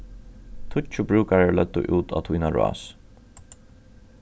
tíggju brúkarar løgdu út á tína rás